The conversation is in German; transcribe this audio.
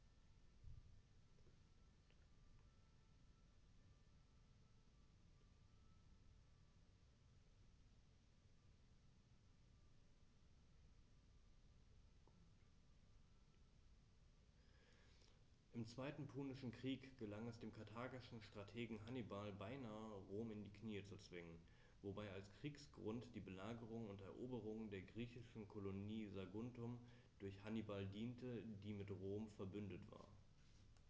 Im Zweiten Punischen Krieg gelang es dem karthagischen Strategen Hannibal beinahe, Rom in die Knie zu zwingen, wobei als Kriegsgrund die Belagerung und Eroberung der griechischen Kolonie Saguntum durch Hannibal diente, die mit Rom „verbündet“ war.